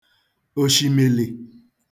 òshìmìlì